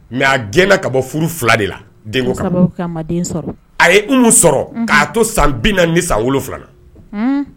Mais a gɛn na ka bɔ furu 2 de la, k'a sababu kɛ a ma den sɔrɔ, a ye Umu sɔrɔ k'a to san 47.Unn.